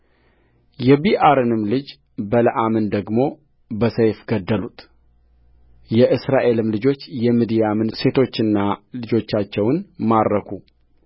የቢዖርንም ልጅ በለዓምን ደግሞ በሰይፍ ገደሉትየእስራኤልም ልጆች የምድያምን ሴቶችና ልጆቻቸውን ማረኩ